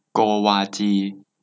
โกวาจี